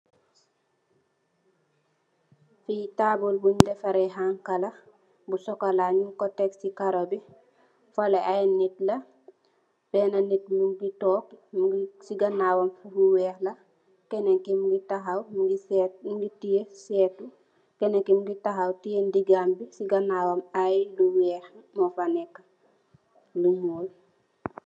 Fi taabul bung defareh xana la bu chocola nyung ko teg si karo bi fele ay nitt la bena nitt mogi tog mogi si kanawam lu weex la kena ki mogi taxaw mogi tiyeh seetu kenen si mogi taxaw tiyeh ndegam bi ay lu week mofa neke lu nuul.